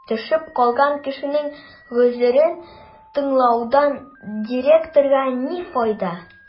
Төшеп калган кешенең гозерен тыңлаудан директорга ни файда?